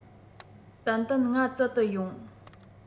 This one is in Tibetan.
ཏན ཏན ང བཙལ དུ ཡོང